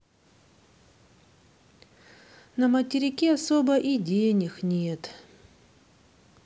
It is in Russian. на материке особо и денег нет